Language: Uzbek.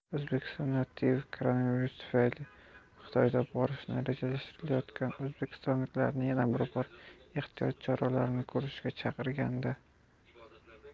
o'zbekiston tiv koronavirus tufayli xitoyga borishni rejalashtirayotgan o'zbekistonliklarni yana bir bor ehtiyot choralarini ko'rishga chaqirgandi